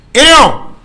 E